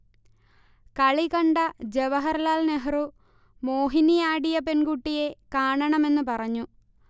കളികണ്ട ജവഹർലാൽ നെഹ്രു, മോഹിനി ആടിയ പെൺകുട്ടിയെ കാണണമെന്ന് പറഞ്ഞു